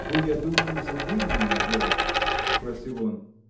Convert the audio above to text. — Вы, я думаю, забыли меня, Вера? — спросил он.